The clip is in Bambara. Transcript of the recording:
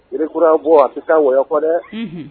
Geren kura bɔ ? A tɛ taa wɔyɔ kɔ dɛ.